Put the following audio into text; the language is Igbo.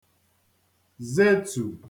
zetù